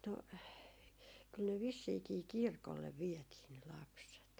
no kyllä ne vissiinkin kirkolle vietiin ne lapset